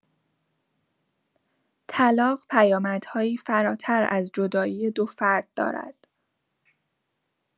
طلاق پیامدهایی فراتر از جدایی دو فرد دارد.